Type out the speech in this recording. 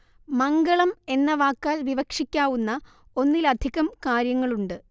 മംഗളം എന്ന വാക്കാൽ വിവക്ഷിക്കാവുന്ന ഒന്നിലധികം കാര്യങ്ങളുണ്ട്